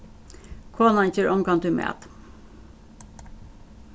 konan ger ongantíð mat